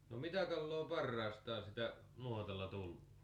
no mitä kalaa parhaastaan sitä nuotalla tulee